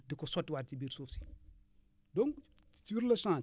di ko sottiwaat ci biir suuf si donc sur le champ